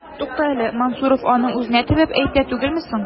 Тукта әле, Мансуров аның үзенә төбәп әйтә түгелме соң? ..